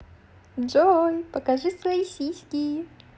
джой покажи свои сиськи